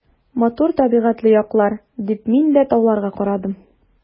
Матур табигатьле яклар, — дип мин дә тауларга карадым.